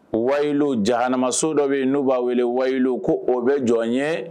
Walilu jaanaso dɔ bɛ n'u b'a wele walilu ko o bɛ jɔn n ye